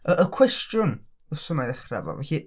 Y y cwestiwn wsos yma i ddechra efo felly...